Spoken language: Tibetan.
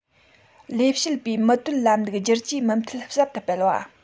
ལས བྱེད པའི མི དོན ལམ ལུགས བསྒྱུར བཅོས མུ མཐུད ཟབ ཏུ སྤེལ བ